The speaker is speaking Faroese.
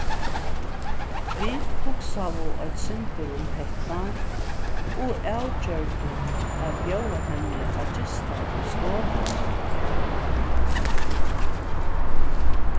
vit hugsaðu eitt sindur um hetta og avgjørdu at bjóða henni at gista í stovuni